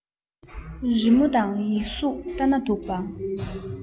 རི མོ དང ཡིག གཟུགས ལྟ ན སྡུག པ